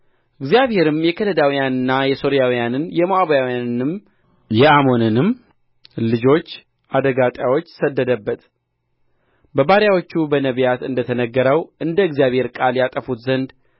እግዚአብሔርም የከለዳውያንንና የሶርያውያንን የሞዓባውያንንም የአሞንንም ልጆች አደጋ ጣዮች ሰደደበት በባሪያዎቹ በነቢያት እንደ ተናገረው እንደ እግዚአብሔር ቃል ያጠፉት ዘንድ